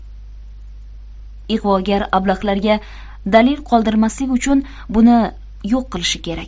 ig'vogar ablahlarga dalil qoldirmaslik uchun buni yo'q qilishi kerak